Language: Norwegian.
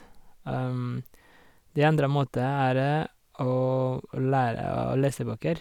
Det andre måte er å lære å lese bøker.